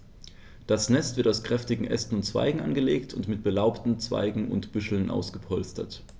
Das Nest wird aus kräftigen Ästen und Zweigen angelegt und mit belaubten Zweigen und Büscheln ausgepolstert.